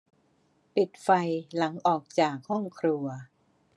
ปิดไฟหลังออกจากห้องครัว